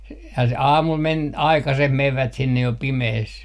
- ja se aamulla meni aikaiseen menivät sinne jo pimeässä